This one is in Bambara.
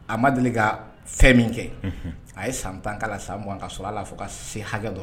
A ma deli ka fɛn min kɛ, unhu, a ye san 10 k'a la ka san 20 bɔ k'a sɔrɔ hali a tɛ se ka fɔ ka se hakɛ dɔ la.